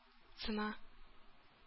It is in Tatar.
Цена